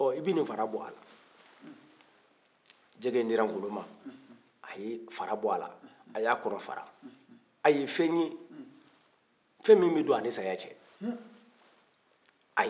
a ye fara bɔ a la a y'a kɔnɔ fara a ye fɛn ye fɛn min bɛ don a ni saya cɛ a ye fɛn ye